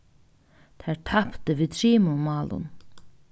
tær taptu við trimum málum